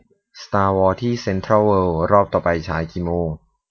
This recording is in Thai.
สตาร์วอร์ที่เซ็นทรัลเวิลด์รอบต่อไปฉายกี่โมง